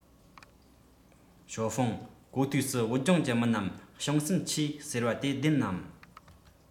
ཞའོ ཧྥུང གོ ཐོས སུ བོད ལྗོངས ཀྱི མི རྣམས བྱང སེམས ཆེ ཟེར བ དེ བདེན ནམ